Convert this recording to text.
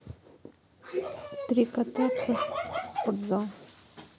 три кота про спортзал